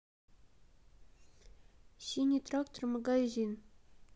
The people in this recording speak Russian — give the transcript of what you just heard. синий трактор магазин